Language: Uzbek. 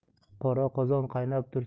qora qozon qaynab